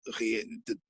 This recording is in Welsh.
chi d-